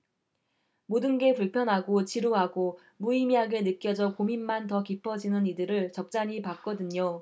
모든 게 불편하고 지루하고 무의미하게 느껴져 고민만 더 깊어지는 이들을 적잖이 봤거든요